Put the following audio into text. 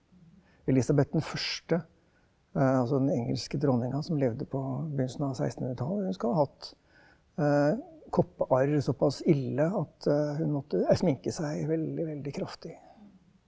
Elisabeth den første, altså den engelske dronninga som levde på begynnelsen av sekstenhundretallet, hun skal ha hatt koppearr såpass ille at hun måtte sminke seg veldig veldig kraftig.